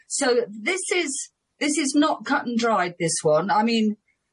So this is this is not cut and dry this one. I mean